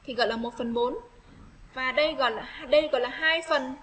chị vẫn là một phần và đây là phần